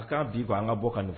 A k'a bin quoi an ka bɔ kanu